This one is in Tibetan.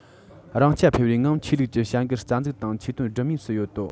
རང རྐྱ འཕེར བའི ངང ཆོས ལུགས ཀྱི བྱ འགུལ རྩ འཛུགས དང ཆོས དོན སྒྲུབ མུས སུ ཡོད དོ